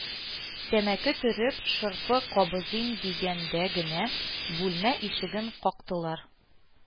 Тәмәке төреп, шырпы кабызыйм дигәндә генә, бүлмә ишеген кактылар